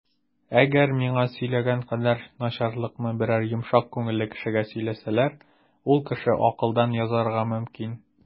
Әгәр миңа сөйләгән кадәр начарлыкны берәр йомшак күңелле кешегә сөйләсәләр, ул кеше акылдан язарга мөмкин.